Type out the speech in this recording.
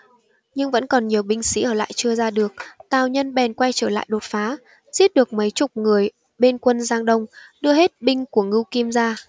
nhưng vẫn còn nhiều binh sĩ ở lại chưa ra được tào nhân bèn quay trở lại đột phá giết được mấy chục người bên quân giang đông đưa hết binh của ngưu kim ra